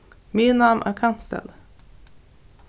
miðnám á kambsdali